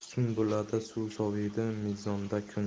sumbulada suv soviydi mizonda kun